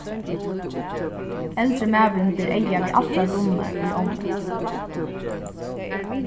eldri maðurin ber eyga við allar dunnurnar í ánni